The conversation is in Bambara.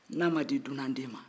n'a m'a di dunen den ma